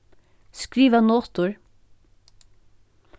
skriva notur